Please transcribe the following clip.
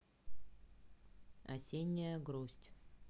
осенняя грусть